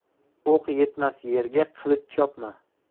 o'q yetmas yerga qilich chopma